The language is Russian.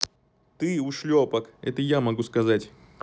ты ушлепок это я могу сказать